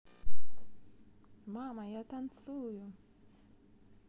мама я танцую